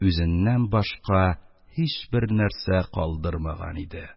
Үзеннән башка һичбер нәрсә калдырмаган иде.